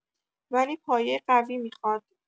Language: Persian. ولی پایه قوی میخواد